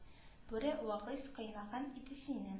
Бүре вәгыйз кыйнаган иде сине